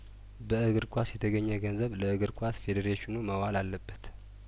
በእግር ኳስ የተገኘ ገንዘብ ለእግር ኳስ ሬዴሬሽኑ መዋል አለበት